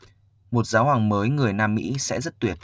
một giáo hoàng mới người nam mỹ sẽ thật tuyệt